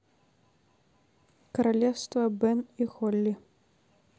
королевство бен и холли